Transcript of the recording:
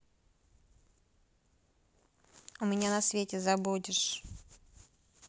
у меня на свете забудешь